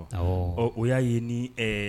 Ɔ ɔ o y'a ye ni